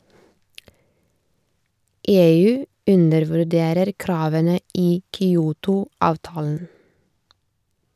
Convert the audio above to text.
- EU undervurderer kravene i Kyoto- avtalen.